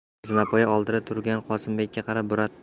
bobur zinapoya oldida turgan qosimbekka